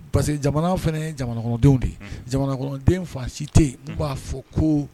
Parce que jamana fana ye jamana de ye jamanaden fa si tɛ yen'a fɔ ko